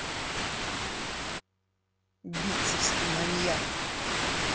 битцевский маньяк